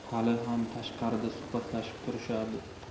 ham tashqarida suhbatlashib turishardi